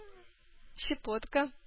Щепотка